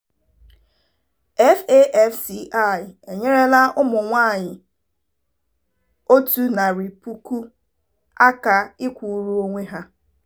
FAFCI enyerela ụmụ nwaanyị 100,000 aka ịkwụrụ onwe ha.